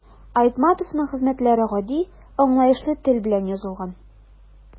Айтматовның хезмәтләре гади, аңлаешлы тел белән язылган.